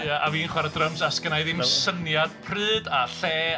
Ia, a fi'n chwarae dryms a sgynna i ddim syniad pryd a lle.